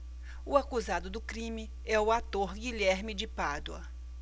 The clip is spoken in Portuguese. o acusado do crime é o ator guilherme de pádua